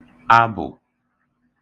abụ̀